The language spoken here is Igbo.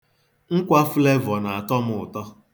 Nkwa Flavour na-atọ m ụtọ.